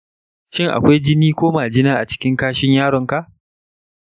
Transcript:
shin akwai jini ko majina a cikin kashin yaronka?